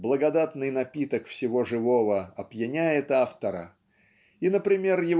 благодатный напиток всего живого опьяняет автора и например